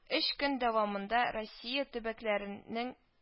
Өч көн дәвамында Россия төбәкләренең